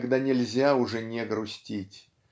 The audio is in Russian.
когда нельзя уже не грустить